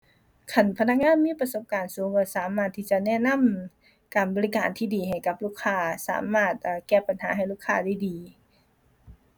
คันพนักงานมีประสบการณ์สูงก็สามารถที่จะแนะนำ การบริการที่ดีให้กับลูกค้า สามารถ เอ่อ แก้ปัญหาให้ลูกค้าได้ดี